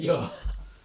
jaaha